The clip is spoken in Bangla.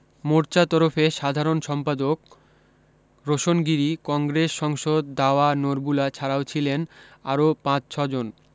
মোর্চা তরফে সাধারণ সম্পাদক রোশন গিরি কংগ্রেস সংসদ দাওয়া নরবুলা ছাড়াও ছিলেন আরও পাঁচ ছ জন